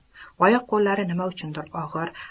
oyoq qo'llari nima uchundir og'ir